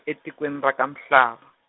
etikweni ra ka Mhlava.